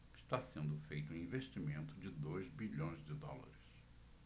está sendo feito um investimento de dois bilhões de dólares